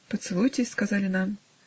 "Поцелуйтесь", -- сказали нам.